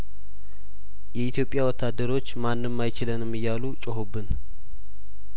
የኢትዮጵያ ወታደሮች ማንም አይች ለንም እያሉ ጮሁብን